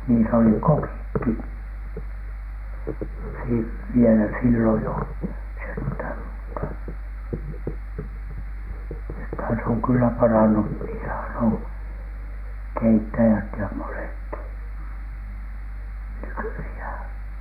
niissä oli kokitkin - vielä silloin jo sentään mutta nythän se on kyllä parantunut niissähän on keittäjät ja monetkin nykyisin